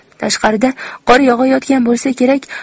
tashqarida qor yog'ayotgan bo'lsa kerak